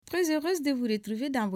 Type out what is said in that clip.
Psees deururubife danko